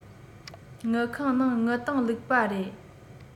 དངུལ ཁང ནང དངུལ སྟེང བླུགས པ རེད